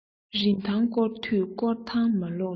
རིན ཐང སྐོར དུས སྐོར ཐང མ ལོག མཛོད